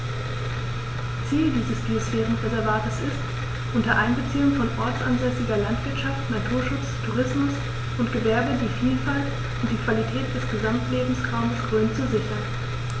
Ziel dieses Biosphärenreservates ist, unter Einbeziehung von ortsansässiger Landwirtschaft, Naturschutz, Tourismus und Gewerbe die Vielfalt und die Qualität des Gesamtlebensraumes Rhön zu sichern.